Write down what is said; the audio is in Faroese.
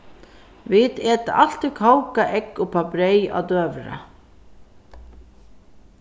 vit eta altíð kókað egg upp á breyð á døgurða